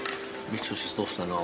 stwff 'na nôl.